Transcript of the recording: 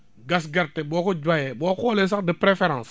gas gerte boo ko bayee boo xoolee sax de préférence